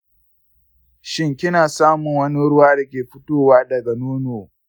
shin kina samun wani ruwa da ke fitowa daga nono wanda ya haɗu da jini?